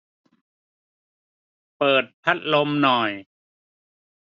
เปิดพัดลมหน่อย